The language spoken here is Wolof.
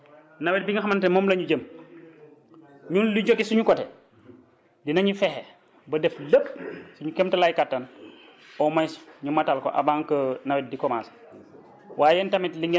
di leen wax nag nawet bi nga xamante ne moom la ñu jëm ñun lu jóge suñu côté dinañu fexe ba def lépp suñu kéem tolluwaay kàttan au moins ñu matal ko avant que nawet di commencer